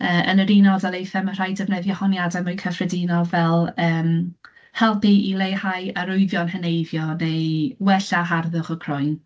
Yy, yn yr Unol Daleithiau, mae'n rhaid defnyddio honiadau mwy cyffredinol fel, yym, helpu i leihau arwyddion heneiddio, neu wella harddwch y croen.